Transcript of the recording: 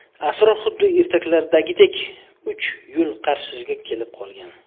sror xuddi ertaklardagiday uch yo'l qarshisiga kelib kolgan